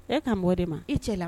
E ka bɛ o de ma, i cɛ la.